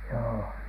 joo